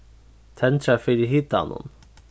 tendra fyri hitanum